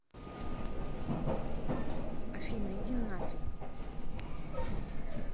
афина иди нафиг